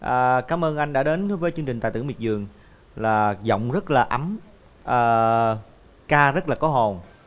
ờ cám ơn anh đã đến với chương trình tài tử miệt vườn là giọng rất là ấm ờ ca rất là có hồn